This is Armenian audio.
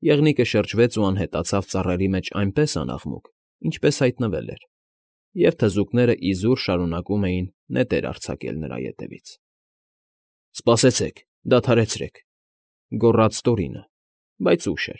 Եղնիկը շրջվեց ու անհետացավ ծառերի մեջ այնպես անաղմուկ, ինչպես հայտնվել էր, և թզուկներն իզուր շարունակում էին նետեր արձակել նրա ետևից։ ֊ Սպասեցեք, դադարեցեք…֊ գոռաց Տորինը, բայց ուշ։